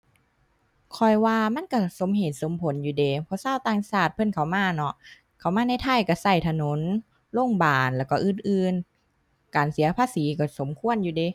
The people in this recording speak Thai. ข้อยว่ามันก็สมเหตุสมผลอยู่เดะ เพราะชาวต่างชาติเพิ่นเข้ามาเนาะ เข้ามาในไทยก็ก็ถนน โรงบาล แล้วก็อื่นอื่น การเสียภาษีก็สมควรอยู่เดะ